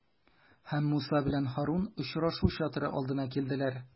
Һәм Муса белән Һарун очрашу чатыры алдына килделәр.